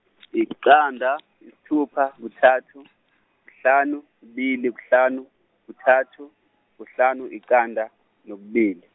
yiqanda, yisithupha, kuthathu , kuhlanu, kubili, kuhlanu, kuthathu, kuhlanu, iqanda, nokubili.